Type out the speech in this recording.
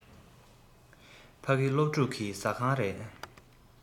ཕ གི སློབ ཕྲུག གི ཟ ཁང རེད